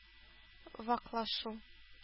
Ваклашу